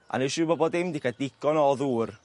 A neu' sîwr bo' bo' dim 'di cael digon o ddŵr.